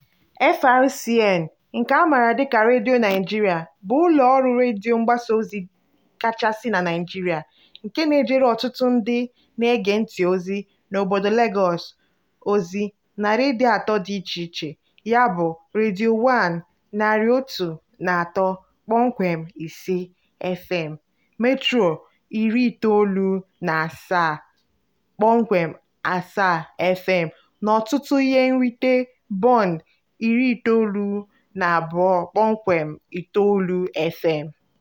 FRCN — nke a maara dịka Radio Nigeria — bụ ụlọ ọrụ redio mgbasa ozi kachasị na Naịjirịa, nke na-ejere ọtụtụ ndị na-ege ntị ozi na obodo Lagos ozi na redio atọ dị iche iche, ya bụ: Radio One 103.5 FM, Metro 97.7 FM na ọtụtụ ihe nrite Bond 92.9 FM.